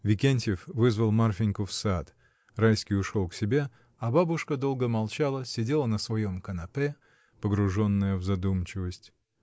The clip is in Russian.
Викентьев вызвал Марфиньку в сад, Райский ушел к себе, а бабушка долго молча сидела на своем канапе, погруженная в задумчивость.